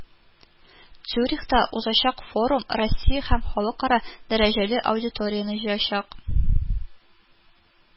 Цюрихта узачак форум Россия һәм халыкара дәрәҗәле аудиторияне җыячак